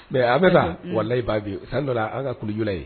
Mɛ a bɛ taa warayi b'a bi dɔ an ka kuluj ye